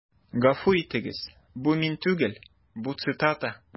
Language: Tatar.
Гафу итегез, бу мин түгел, бу цитата.